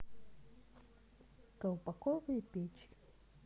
колпаковые печи